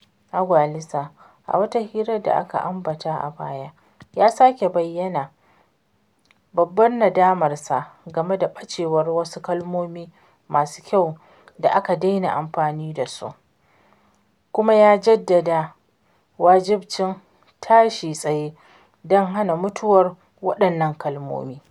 Agualusa, a wata hira da aka ambata a baya, ya sake bayyana “babbar nadamarsa game da ɓacewar wasu kalmomi masu kyau da aka daina yin amfani dasu" kuma ya jaddada wajibcin “tashi tsaye don hana mutuwar waɗannan kalmomin.”